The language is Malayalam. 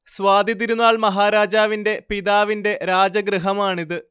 സ്വാതി തിരുനാൾ മഹാരാജാവിന്റെ പിതാവിന്റെ രാജഗൃഹമാണിത്